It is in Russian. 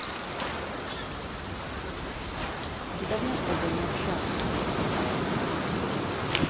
давно с тобой не общался